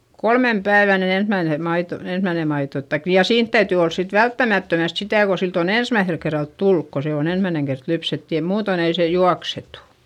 kolmen päivän niin ensimmäinen maito ensimmäinen maito tai ja siinä täytyy olla sitten välttämättömästi sitä kun siltä on ensimmäisellä kerralla tullut kun se on ensimmäinen kerta lypsetty ja muuten ei se juoksetu